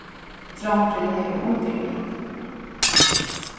drongurin hevur undirbit